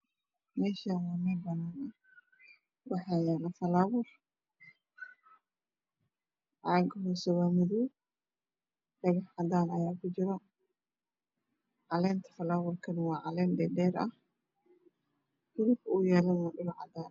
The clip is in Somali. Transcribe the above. Meeshaani waa meel banaan waxaa yaalo falaawer caaga hoose waa madow dhagax cadaan ayaa ku jira caleenta falaawerka waa caleen dhaadheer ah guriga uu yaalo waa cadaan